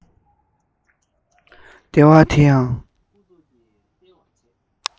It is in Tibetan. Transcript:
ལྟེ བ དེ ཡང